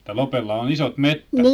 että Lopella on isot metsät